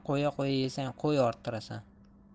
qo'ya qo'ya yesang qo'y orttirasan